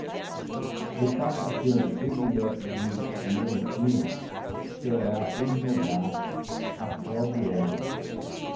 o passatempo predileto de leontina será esnobar a pobre olga